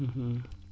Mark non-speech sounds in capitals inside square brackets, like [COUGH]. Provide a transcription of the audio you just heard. [HESITATION] [HESITATION]